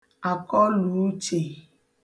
àkọlùuchè